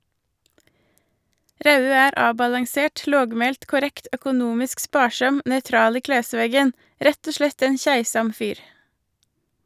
Rauø er avbalansert, lågmælt, korrekt, økonomisk sparsam, nøytral i klesvegen - rett og slett ein keisam fyr.